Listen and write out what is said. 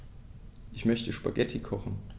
Ich möchte Spaghetti kochen.